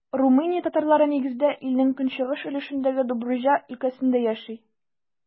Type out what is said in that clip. Румыния татарлары, нигездә, илнең көнчыгыш өлешендәге Добруҗа өлкәсендә яши.